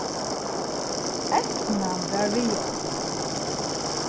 eydnan var við okkum